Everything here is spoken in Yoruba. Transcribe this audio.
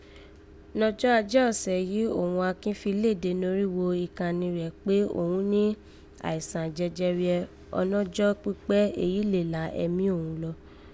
Nọjọ́ ajé ọ̀sẹ̀ yìí òghun Akin fi léde norígho ìkànnì rẹ̀ kpé òghun ní àìsàn jẹjẹrẹ ọnọ́jọ́kpíkpẹ̀ èyí lè là ẹ̀mí òghun lọ